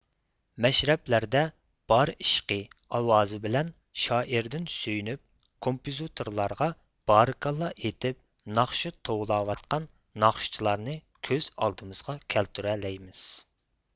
مەشرەپلەردە بار ئىشقى ئاۋازى بىلەن شائىردىن سۆيۈنۈپ كومپوزىتورلارغا بارىكاللا ئېيتىپ ناخشا توۋلاۋاتقان ناخشىچىلارنى كۆز ئالدىمىزغا كەلتۈرەلەيمىز